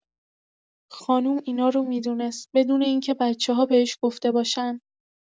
خانم اینا رو می‌دونست، بدون این که بچه‌ها بهش گفته باشن.